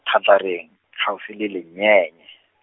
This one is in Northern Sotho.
gaPhahareng gaufi le le nyenye.